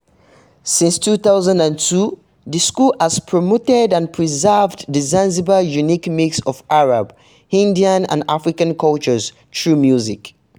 Since 2002, the school has promoted and preserved the Zanzibar's unique mix of Arab, Indian and African cultures through music.